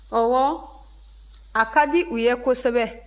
ɔwɔ a ka di u ye kosɛbɛ